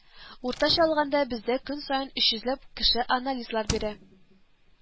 Уртача алганда бездә көн саен өч йөзләп кеше анализлар бирә